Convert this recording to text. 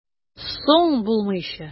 Соң, булмыйча!